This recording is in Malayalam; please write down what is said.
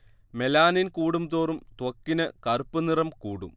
മെലാനിൻ കൂടുംതോറും ത്വക്കിന് കറുപ്പു നിറം കൂടും